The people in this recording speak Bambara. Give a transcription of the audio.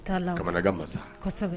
Taalahu kamanagan masa kosɛbɛ